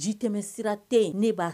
Ji tɛmɛ sira tɛ ne b'a